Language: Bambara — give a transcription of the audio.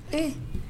Ee